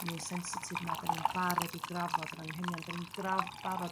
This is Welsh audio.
mwy sensitif 'ma dyn ni'n barod i drafod yr anghenion dyn ni' draf- barod